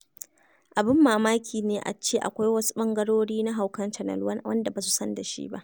Abin mamaki ne a ce akwai wasu ɓangarori na haukan Channel One wanda ba mu san da shi ba.